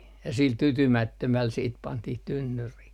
ja sillä tyytymättömällä sitten pantiin tynnyriin